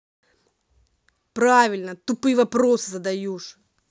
правильно тупые вопросы задаешь